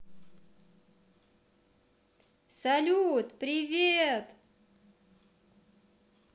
салют привет